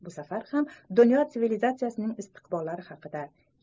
bu safar ham dunyo sivilizatsiyasining istiqbollari haqida